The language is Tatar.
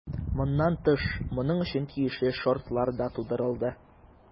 Моннан тыш, моның өчен тиешле шартлар да тудырылды.